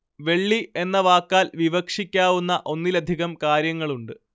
വെള്ളി എന്ന വാക്കാൽ വിവക്ഷിക്കാവുന്ന ഒന്നിലധികം കാര്യങ്ങളുണ്ട്